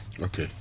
ok